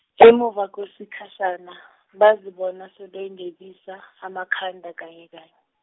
emuva kwesikhashana, bazibona sebegebisa, amakhanda kanye kanye.